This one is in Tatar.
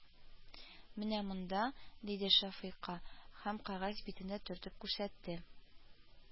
Менә монда, диде Шәфыйка һәм кәгазь битенә төртеп күрсәтте